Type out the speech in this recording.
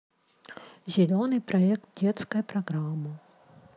зеленый проект детская программа